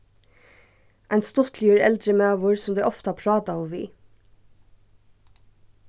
ein stuttligur eldri maður sum tey ofta prátaðu við